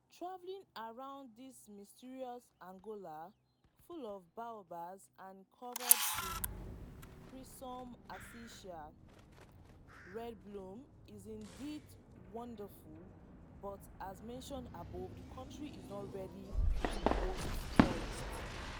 Travelling around this mysterious Angola full of baobabs and covered in the Crimson Acacia‘s red bloom is, indeed, wonderful, but as mentioned above, the country is not ready to host tourists.